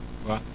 waaw